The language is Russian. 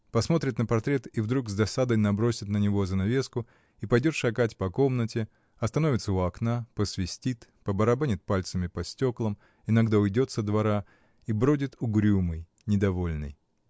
Посмотрит на портрет и вдруг с досадой набросит на него занавеску и пойдет шагать по комнате, остановится у окна, посвистит, побарабанит пальцами по стеклам, иногда уйдет со двора и бродит угрюмый, недовольный.